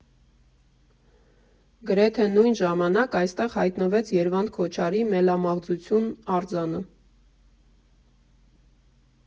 Գրեթե նույն ժամանակ այստեղ հայտնվեց Երվանդ Քոչարի «Մելամաղձություն» արձանը։